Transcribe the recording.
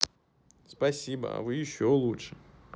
спасибо а вы еще лучше